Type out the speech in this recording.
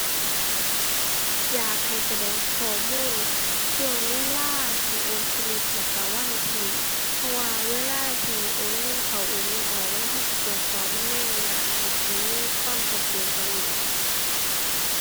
อยากให้แสดงข้อมูลช่วงเวลาที่โอนสลิปแล้วก็วันที่ เพราะว่าเวลาที่โอนเงินเข้าโอนเงินออก เวลาก็สิตรวจสอบมันแนมยาก อยากให้มีความชัดเจนกว่านี้